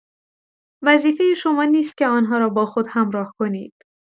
وظیفه شما نیست که آن‌ها را با خود همراه کنید.